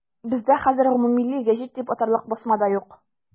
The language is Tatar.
Бездә хәзер гомуммилли гәҗит дип атарлык басма да юк.